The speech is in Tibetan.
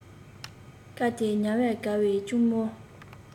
སྐབས དེར ཉལ བར དགའ བའི གཅུང མོ